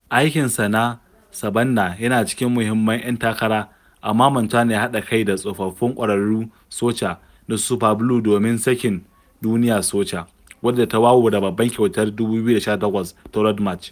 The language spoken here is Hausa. Aikinsa na "Saɓannah" yana cikin muhimman 'yan takara, amma Montano ya haɗa kai da tsofaffin ƙwararrun soca na Superblue domin sakin "Duniya Soca", wadda ta wawure babban kyautar 2018 ta Road March.